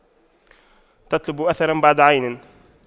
تطلب أثراً بعد عين